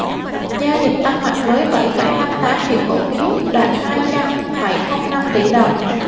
giao dịch tăng mạnh với bảy phẩy năm tám triệu cổ phiếu đạt hai trăm phẩy không năm tỷ đồng